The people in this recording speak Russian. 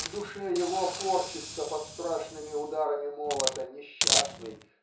В душе его корчится под страшными ударами молота несчастный